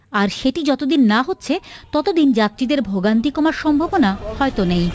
আর সেটি যতদিন না হচ্ছে ততদিন যাত্রীদের ভোগান্তি কমার সম্ভাবনা হয়তো নেই